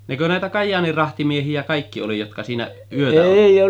nekö näitä Kajaanin rahtimiehiä kaikki oli jotka siinä yötä oli